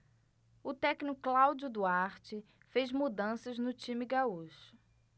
o técnico cláudio duarte fez mudanças no time gaúcho